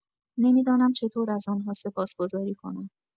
نمی‌دانم چطور از آن‌ها سپاسگزاری کنم.